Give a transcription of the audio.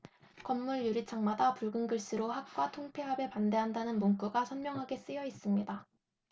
건물 유리창마다 붉은 글씨로 학과 통폐합에 반대한다는 문구가 선명하게 쓰여있습니다